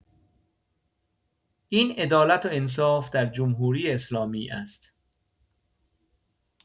این عدالت و انصاف در جمهوری‌اسلامی است.